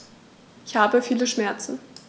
Ich habe viele Schmerzen.